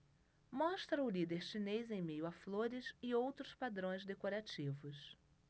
mostra o líder chinês em meio a flores e outros padrões decorativos